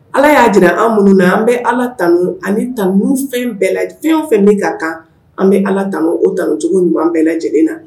Ala y'a jira an minnu na an bɛ Ala tanu ani tannu fɛn bɛɛ laj fɛn o fɛn bɛ ka kan an bɛ Ala tanu o tanu cogo ɲuman bɛɛ lajɛlen na